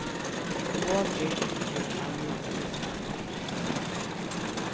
hon er ikki á mínum lista